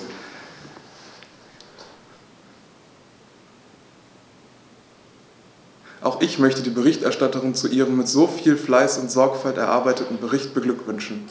Auch ich möchte die Berichterstatterin zu ihrem mit so viel Fleiß und Sorgfalt erarbeiteten Bericht beglückwünschen.